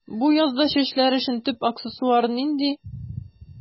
Бу язда чәчләр өчен төп аксессуар нинди?